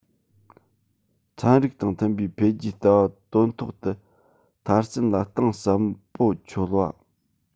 ཚན རིག དང མཐུན པའི འཕེལ རྒྱས ལྟ བ དོན ཐོག ཏུ མཐར ཕྱིན ལ གཏིང ཟབ པོ འཁྱོལ བ